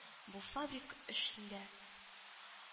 Бу фабрик эшендә